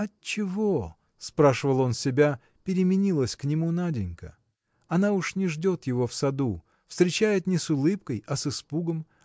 Отчего, – спрашивал он себя, – переменилась к нему Наденька? Она уж не ждет его в саду встречает не с улыбкой а с испугом